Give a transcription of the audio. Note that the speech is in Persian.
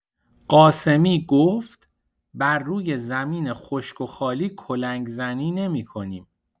قاسمی گفت: بر روی زمین خشک و خالی کلنگ‌زنی نمی‌کنیم.